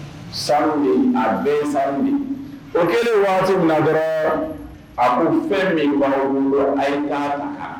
San a bɛ san minɛ o kɛlen waati min na dɔrɔn a tun fɛn min kɔnɔkun a ye na